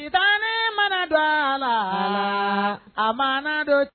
Ntalen mana don a la a ma don